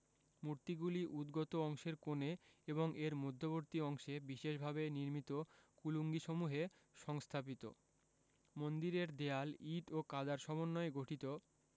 মূর্তিগুলি উদ্গত অংশের কোণে এবং এর মধ্যবর্তী অংশে বিশেষভাবে নির্মিত কুলুঙ্গিসমূহে সংসহাপিত মন্দিরের দেয়াল ইট ও কাদার সমন্বয়ে গঠিত